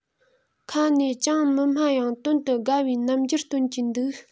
ཁ ནས ཅང མི སྨྲ ཡང དོན དུ དགའ བའི རྣམ འགྱུར སྟོན གྱིན འདུག